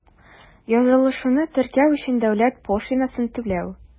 Язылышуны теркәү өчен дәүләт пошлинасын түләү.